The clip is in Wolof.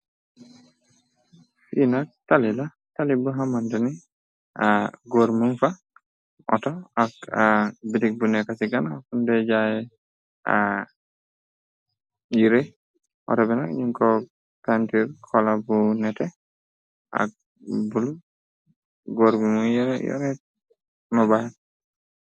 Fi nak tai la tali bu xamandani a góor mum fa otto. Ak a bitik bu nekka ci ganaw kundejaaye a yire. Otto bina ninko kantir kola bu nete ak bul góor bumu yere ree mobaan.